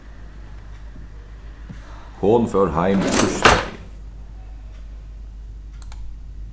hon fór heim týsdagin